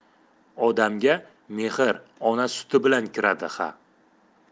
odamga mehr ona suti bilan kiradi ha